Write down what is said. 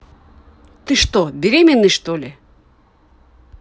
ты что беременный что ли